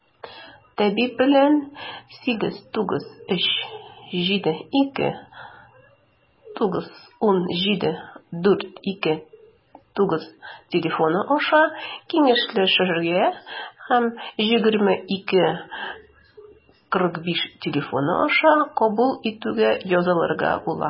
Табиб белән 89372918429 телефоны аша киңәшләшергә, 20-2-45 телефоны аша кабул итүгә язылырга була.